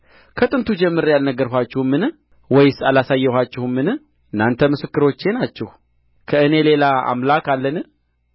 ከጥንቱ ጀምሬ አልነገርኋችሁምን ወይስ አላሳየኋችሁምን እናንተ ምስክሮቼ ናችሁ ከእኔ ሌላ አምላክ አለን